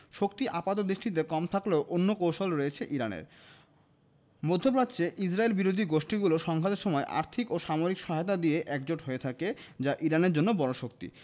শক্তি আপাতদৃষ্টিতে কম থাকলেও অন্য কৌশল রয়েছে ইরানের মধ্যপ্রাচ্যে ইসরায়েলবিরোধী গোষ্ঠীগুলো সংঘাতের সময় আর্থিক ও সামরিক সহায়তা দিয়ে একজোট হয়ে থাকে যা ইরানের জন্য বড় শক্তি